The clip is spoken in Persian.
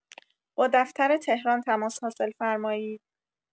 با دفتر تهران تماس حاصل فرمایید